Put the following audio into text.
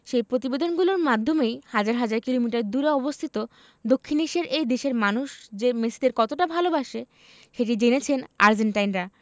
সেই প্রতিবেদনগুলোর মাধ্যমেই হাজার হাজার কিলোমিটার দূরে অবস্থিত দক্ষিণ এশিয়ার এই দেশের মানুষ যে মেসিদের কতটা ভালোবাসে সেটি জেনেছেন আর্জেন্টাইনরা